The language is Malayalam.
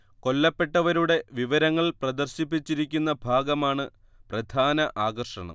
കൊല്ലപ്പെട്ടവരുടെ വിവരങ്ങൾ പ്രദർശിപ്പിച്ചിരിക്കുന്ന ഭാഗമാണ് പ്രധാന ആകർഷണം